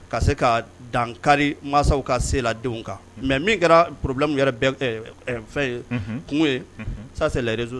Ka se ka dan kari mansaw ka se la denw kan. Mais min kɛra problème yɛrɛ fɛn kungo ye sa réseau